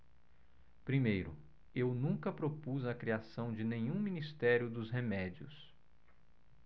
primeiro eu nunca propus a criação de nenhum ministério dos remédios